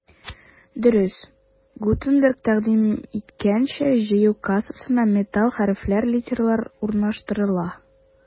Дөрес, Гутенберг тәкъдим иткәнчә, җыю кассасына металл хәрефләр — литералар урнаштырыла.